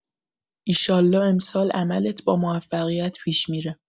ایشالا امسال عملت با موفقیت پیش می‌ره.